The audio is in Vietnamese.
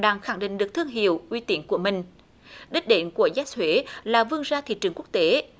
đang khẳng định được thương hiệu uy tín của mình đích đến của rét thuế là vươn ra thị trường quốc tế